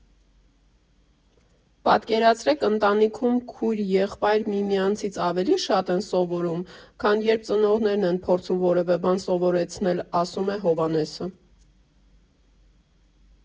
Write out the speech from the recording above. «Պատկերացրեք՝ ընտանիքում քույր֊եղբայր միմյանցից ավելի շատ են սովորում, քան երբ ծնողներն են փորձում որևէ բան սովորեցնել», ֊ ասում է Հովհաննեսը։